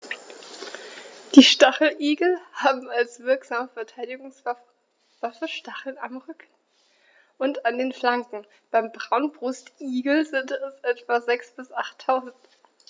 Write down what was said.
Die Stacheligel haben als wirksame Verteidigungswaffe Stacheln am Rücken und an den Flanken (beim Braunbrustigel sind es etwa sechs- bis achttausend).